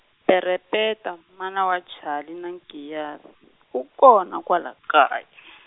Perepetwa mana wa Chali na Nkiyasi, u kona kwala kaya.